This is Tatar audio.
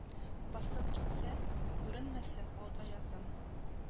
Басып китсә, күренмәсә алда язым